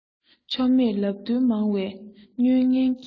ཆོ མེད ལབ བརྡོལ མང བའི དམོན ངན གྱི བྱེད པོ